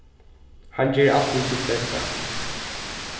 hann ger altíð sítt besta